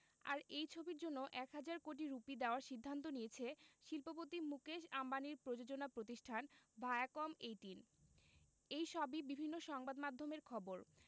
আর এই ছবির জন্য এক হাজার কোটি রুপি দেওয়ার সিদ্ধান্ত নিয়েছে শিল্পপতি মুকেশ আম্বানির প্রযোজনা প্রতিষ্ঠান ভায়াকম এইটিন এই সবই বিভিন্ন সংবাদমাধ্যমের খবর